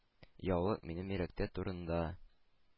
Яулык минем йөрәк турында,